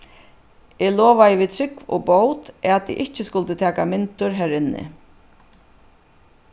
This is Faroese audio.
eg lovaði við trúgv og bót at eg ikki skuldi taka myndir har inni